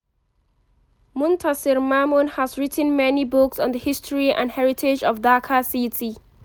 Muntasir Mamun has written many books on the history and heritage of Dhaka city.